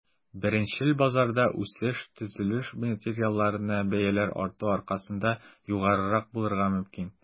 Беренчел базарда үсеш төзелеш материалларына бәяләр арту аркасында югарырак булырга мөмкин.